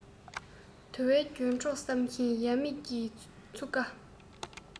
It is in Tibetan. དུ བ རྒྱུན གྲོགས བསམ ཞིང ཡ མེད ཀྱི ཚུགས ཀ